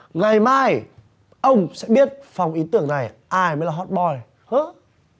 ngày mai ông sẽ biết phòng ý tưởng này ai sẽ là hót boi hớ